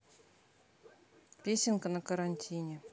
песенка на карантине